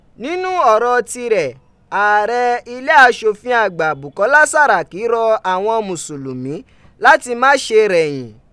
Ninu ọrọ tirẹ, aarẹ ile aṣofin agba, Bukọla Saraki rọ awọn musulumi lati ma ṣe rẹ̀yìn.